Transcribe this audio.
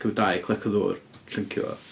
Cymryd dau, clec o ddŵr, llyncu fo.